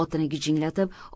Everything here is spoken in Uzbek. otini gijinglatib